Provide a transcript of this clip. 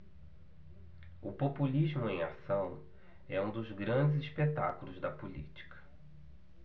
o populismo em ação é um dos grandes espetáculos da política